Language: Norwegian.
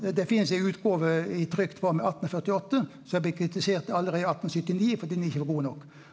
det finst ei utgåve i trykt form i 1848 som blei kritisert allereie i 1879 fordi den ikkje var god nok.